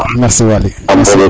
merci waay